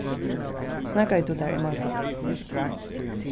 snøggaði tú tær í morgun